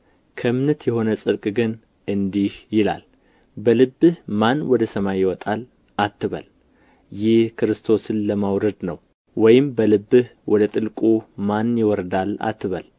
ከእምነት የሆነ ጽድቅ ግን እንዲህ ይላል በልብህ ማን ወደ ሰማይ ይወጣል አትበል ይህ ክርስቶስን ለማውረድ ነው ወይም በልብህ ወደ ጥልቁ ማን ይወርዳል አትበል